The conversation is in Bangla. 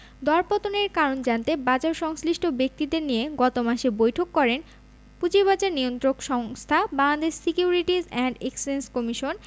দরপতনের কারণ জানতে বাজারসংশ্লিষ্ট ব্যক্তিদের নিয়ে গত মাসে বৈঠক করেন পুঁজিবাজার নিয়ন্ত্রক সংস্থা Bangladesh securities and exchange commission